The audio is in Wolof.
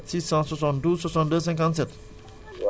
57 672 62 57